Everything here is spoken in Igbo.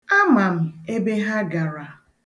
Ama m ebe ha gara.